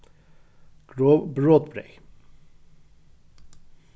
grov brotbreyð